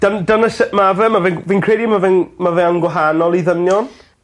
dyn- dyna sut ma' fe ma' fe'n fi'n credu ma' fe'n ma' fe yn gwahanol i ddynion.